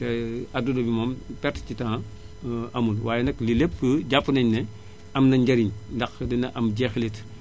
àdduna bi moom perte ci temps amul waaye nag lii lépp jàpp nañu ne am na njariñ ndax dina am jeexleet